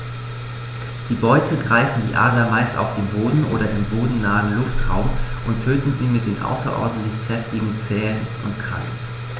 Die Beute greifen die Adler meist auf dem Boden oder im bodennahen Luftraum und töten sie mit den außerordentlich kräftigen Zehen und Krallen.